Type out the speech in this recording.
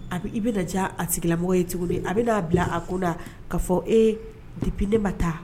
A i bɛna diya a sigilamɔgɔ ye cogo a bɛ'a bila a kunda ka fɔ e dip ne ma taa